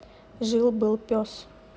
жил был пес